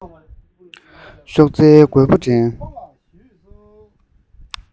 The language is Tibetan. གཤོག རྩལ རྒོད པོར འགྲན